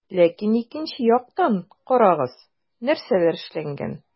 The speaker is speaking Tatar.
Ләкин икенче яктан - карагыз, нәрсәләр эшләнгән.